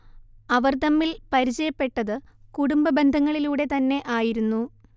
അവർ തമ്മിൽ പരിചയപ്പെട്ടത് കുടുംബ ബന്ധങ്ങളിലൂടെതന്നെ ആയിരുന്നു